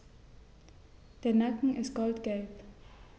Der Nacken ist goldgelb.